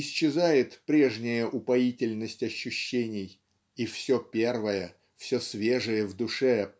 исчезает прежняя упоительность ощущений и все первое все свежее в душе